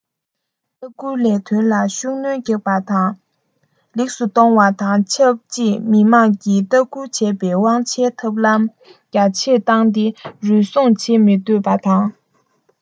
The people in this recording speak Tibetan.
ལྟ སྐུལ ལས དོན ལ ཤུགས སྣོན རྒྱག པ དང ལེགས སུ གཏོང བ དང ཆབས ཅིག མི དམངས ཀྱིས ལྟ སྐུལ བྱེད པའི དབང ཆའི ཐབས ལམ རྒྱ ཆེར བཏང སྟེ རུལ སུངས བྱེད མི འདོད པ དང